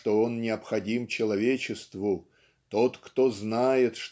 что он необходим человечеству тот кто знает